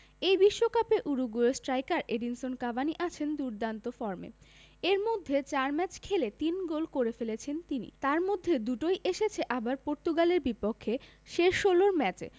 এই বিশ্বকাপে উরুগুয়ের স্ট্রাইকার এডিনসন কাভানি আছেন দুর্দান্ত ফর্মে এর মধ্যে ৪ ম্যাচে খেলে ৩ গোল করে ফেলেছেন তিনি যার মধ্যে দুটোই এসেছে আবার পর্তুগালের বিপক্ষে শেষ ষোলোর ম্যাচে